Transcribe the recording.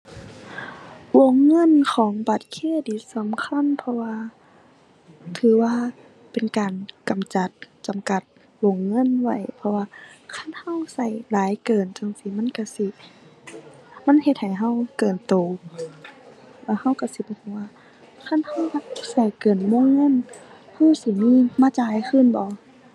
วงเงินของบัตรเครดิตสำคัญ เพราะว่าถือว่าเป็นการกำจัด จำกัดวงเงินไว้ เพราะว่าคันเราเราหลายเกินจั่งซี้ มันเราสิ มันเฮ็ดให้เราเกินเรา แล้วเราเราสิเราว่า คันเราเราเกินวงเงินเราสิมีมาจ่ายคืนบ่